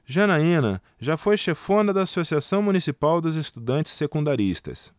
janaina foi chefona da ames associação municipal dos estudantes secundaristas